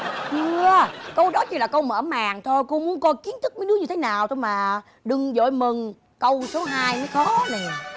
chưa câu đó chỉ là câu mở màn thôi cô muốn biết kiến thức con nó như thế nào thôi mà đừng vội mừng câu số hai mới có